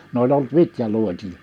ne oli ollut vitjaluotina